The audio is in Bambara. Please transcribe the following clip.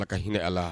Ala ka hinɛ ala